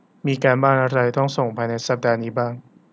มีการบ้านอะไรต้องส่งภายในสัปดาห์นี้บ้าง